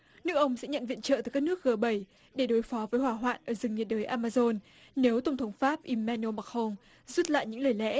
nước ông sẽ nhận viện trợ từ các nước gờ bảy để đối phó với hỏa hoạn ở rừng nhiệt đới a ma dôn nếu tổng thống pháp in me nô mặc hôn rút lại những lời lẽ